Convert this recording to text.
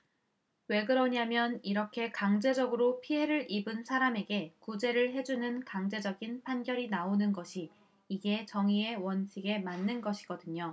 왜 그러냐면 이렇게 강제적으로 피해를 입은 사람에게 구제를 해 주는 강제적인 판결이 나오는 것이 이게 정의의 원칙에 맞는 것이거든요